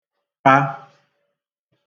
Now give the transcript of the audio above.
pa